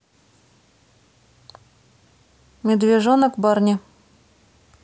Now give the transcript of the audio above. медвежонок барни